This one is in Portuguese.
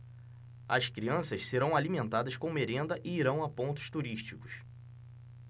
as crianças serão alimentadas com merenda e irão a pontos turísticos